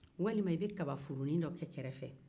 walima i bɛ kabaforonin dɔ kɛ kɛrɛfɛ